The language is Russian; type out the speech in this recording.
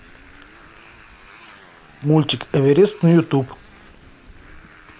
мультик эверест на ютуб